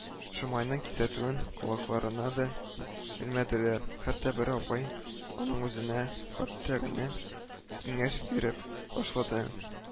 – шимайның кисәтүен колакларына да элмәделәр, хәтта бер апай аның үзенә кәттә генә киңәш биреп ташлады: